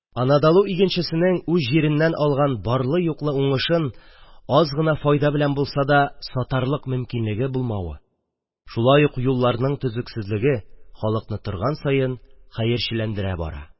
Анадолу игенчесенең үз җиреннән алган барлы-юклы уңышын аз гына файда белән булса да сатарлык мөмкинлеге булмавы, шулай ук юлларның төзексезлеге халыкны торган саен хәерчеләндерә бара.